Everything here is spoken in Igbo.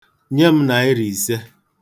Nye m Naịra ise.